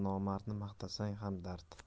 nomardni maqtasang ham dard